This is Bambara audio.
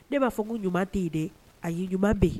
Ne b'a fɔ ko ɲuman tɛ yen dɛ a ye ɲuman bɛ